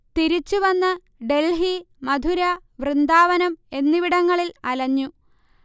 തിരിച്ചുവന്ന് ഡൽഹി, മഥുര, വൃന്ദാവനം എന്നിവിടങ്ങളിൽ അലഞ്ഞു